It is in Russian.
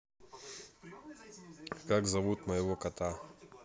как зовут моего кота